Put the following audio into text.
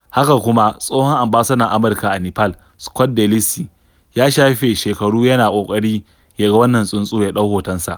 Haka kuma, tsohon ambasadan Amurka a Nepal, Scott DeLisi ya shafe shekaru yana ƙoƙarin ya ga wannan tsuntsu ya ɗau hotonsa.